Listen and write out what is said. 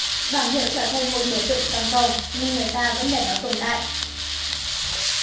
bảng hiệu trở thành một biểu tượng toàn cầu nên người ta vẫn để nó tồn tại